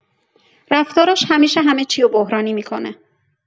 رفتاراش همیشه همه چیو بحرانی می‌کنه.